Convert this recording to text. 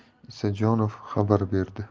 mirolim isajonov xabar berdi